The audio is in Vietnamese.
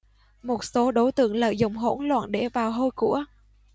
một số đối tượng lợi dụng hỗn loạn để vào hôi của